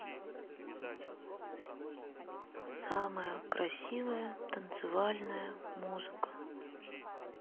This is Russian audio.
самая красивая танцевальная музыка